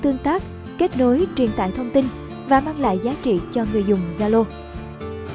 với mục đích tương tác kết nối truyền tải thông tin và mang lại giá trị cho người dùng zalo